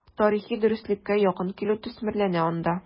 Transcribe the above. Тарихи дөреслеккә якын килү төсмерләнә анда.